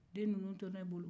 den ninuw to ne bolo